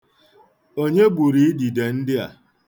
Onye gburu idide ndị a?